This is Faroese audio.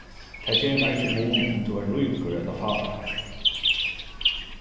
tað ger mær ikki mun um tú ert ríkur ella fátækur